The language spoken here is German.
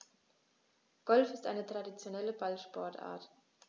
Golf ist eine traditionelle Ballsportart.